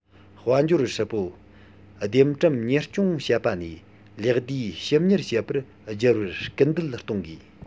དཔལ འབྱོར ཧྲིལ པོ སྡེབ བཀྲམ གཉེར སྐྱོང བྱེད པ ནས ལེགས བསྡུས ཞིབ གཉེར བྱེད པར སྒྱུར བར སྐུལ འདེད གཏོང དགོས